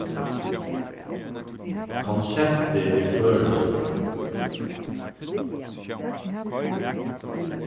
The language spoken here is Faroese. konseptið er føroyskt